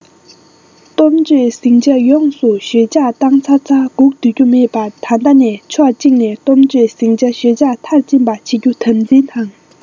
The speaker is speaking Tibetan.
གཏུམ སྤྱོད ཟིང ཆ ཡོངས སུ ཞོད འཇགས བཏང ཚར ཚར སྒུག རྒྱུ མེད པར ད ལྟ ནས ཕྱོགས གཅིག ནས གཏུམ སྤྱོད ཟིང ཆ ཞོད འཇགས མཐར ཕྱིན པ བྱེད རྒྱུ དམ འཛིན དང